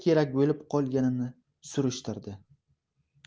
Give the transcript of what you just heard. nimaga kerak bo'lib qolganini surishtirdi